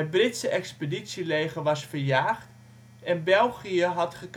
Britse expeditieleger was verjaagd en België had